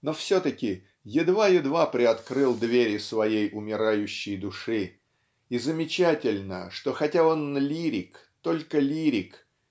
но все-таки едва-едва приоткрыл двери своей умирающей души и замечательно что хотя он лирик только лирик